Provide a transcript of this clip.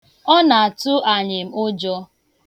Ọ na-atụ anyịm ụjọ.